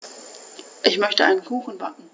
Ich möchte einen Kuchen backen.